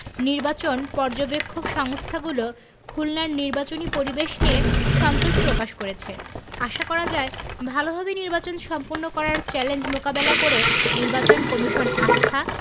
নির্বাচন পর্যবেক্ষক সংস্থাগুলো খুলনার নির্বাচনী পরিবেশ নিয়ে সন্তোষ প্রকাশ করেছে আশা করা যায় ভালোভাবে নির্বাচন সম্পন্ন করার চ্যালেঞ্জ মোকাবেলা করে নির্বাচন কমিশন আস্থা